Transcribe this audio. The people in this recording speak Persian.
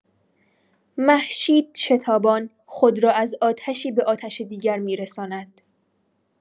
مهشید شتابان خود را از آتشی به آتش دیگر می‌رساند.